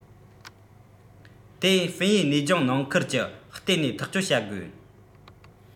དེ ཧྥན ཡུས ནས ལྗོངས ནང ཁུལ གྱི བརྟེན ནས ཐག གཅོད བྱ དགོས